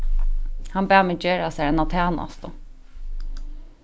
hann bað meg gera sær eina tænastu